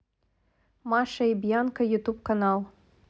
маша и бьянка ютуб канал